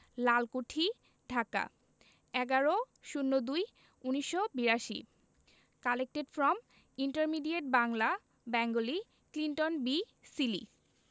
লালকুঠি ঢাকা ১১/০২/১৯৮২ collected from intermediate Bangla Bengali Clinton B Seely